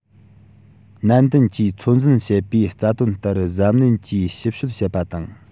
ནན ཏན གྱིས ཚོད འཛིན བྱེད པའི རྩ དོན ལྟར གཟབ ནན གྱིས ཞིབ དཔྱོད བྱེད པ དང